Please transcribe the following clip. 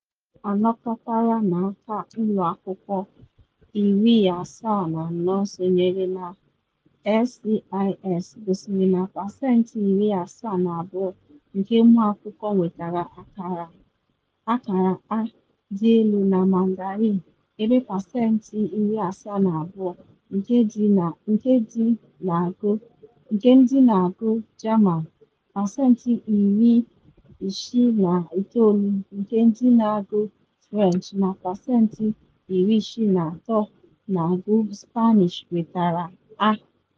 Data, anakọtara n’aka ụlọ akwụkwọ 74 sonyere na SCIS, gosiri na pasentị 72 nke ụmụ akwụkwọ nwetara akara A Dị Elu na Mandarin, ebe pasentị 72 nke ndị na agụ German, pasentị 69 nke ndị na agụ French na pasentị 63 na agụ Spanish nwetara A.